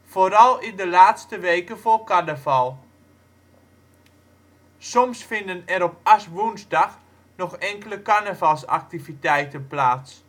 vooral in de laatste weken voor carnaval. Soms vinden er ook op Aswoensdag nog enkele carnavalsactiviteiten plaats